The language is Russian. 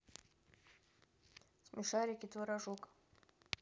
смешарики творожок